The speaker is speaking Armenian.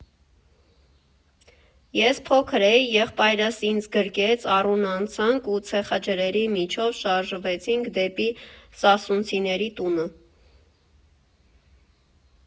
Ես փոքր էի, եղբայրս ինձ գրկեց, առուն անցանք ու ցեխաջրերի միջով շարժվեցինք դեպի սասունցիների տունը։